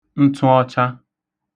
ntụọcha